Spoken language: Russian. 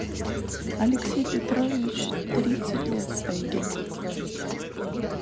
алексей петрович тридцать лет в тайге